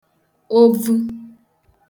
ogvu